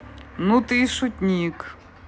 ну ты и шутник